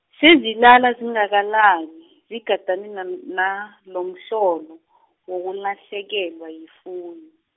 sezilala zingakalali, zigadane nam- nalomhlolo , wokulahlekelwa yifuyo.